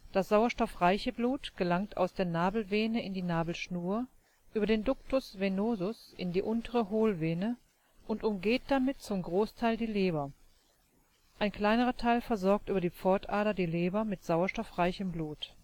Das sauerstoffreiche Blut gelangt aus der Nabelvene in der Nabelschnur über den Ductus venosus in die untere Hohlvene und umgeht damit zum Großteil die Leber, ein kleinerer Teil versorgt über die Pfortader die Leber mit sauerstoffreichem Blut